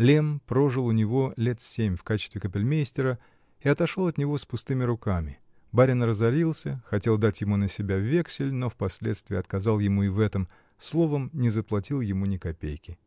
Лемм прожил у него лет семь в качестве капельмейстера и отошел от него с пустыми руками: барин разорился, хотел дать ему на себя вексель, но впоследствии отказал ему и в этом, -- словом, не заплатил ему ни копейки.